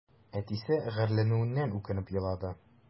Әтисе гарьләнүеннән үкереп елады.